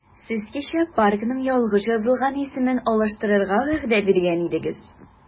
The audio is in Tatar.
Сез кичә паркның ялгыш язылган исемен алыштырырга вәгъдә биргән идегез.